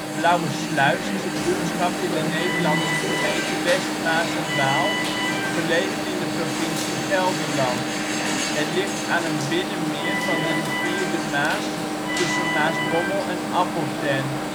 Blauwesluis is een buurtschap in de Nederlandse gemeente West Maas en Waal, gelegen in de provincie Gelderland. Het ligt aan een binnenmeer van de rivier de Maas tussen Maasbommel en Appeltern